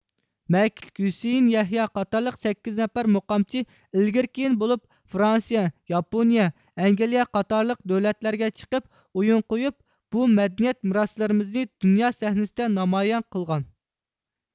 مەكىتلىك ھۈسىيىن يەھيا قاتارلىق سەككىز نەپەر مۇقامچى ئىلگىرى كېيىن بولۇپ فرانسىيە ياپونىيە ئەنگلىيە قاتارلىق دۆلەتلەرگە چىقىپ ئويۇن قويۇپ بۇ مەدەنىيەت مىراسلىرىمىزنى دۇنيا سەھنىسىدە نامايان قىلغان